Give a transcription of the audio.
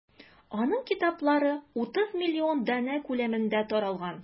Аның китаплары 30 миллион данә күләмендә таралган.